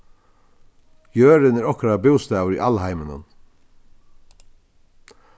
jørðin er okkara bústaður í alheiminum